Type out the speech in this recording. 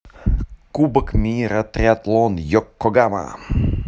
кубок мира триатлон йокогама